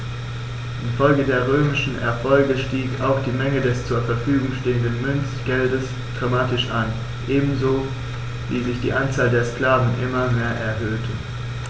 Infolge der römischen Erfolge stieg auch die Menge des zur Verfügung stehenden Münzgeldes dramatisch an, ebenso wie sich die Anzahl der Sklaven immer mehr erhöhte.